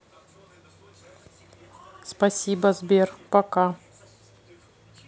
спасибо сбер пока